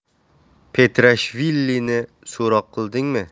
petrashvilini so'roq qildingmi